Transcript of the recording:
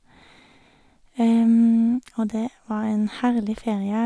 Og det var en herlig ferie.